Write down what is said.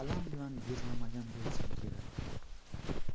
alam bilan yig'lamagan bo'lsam kerak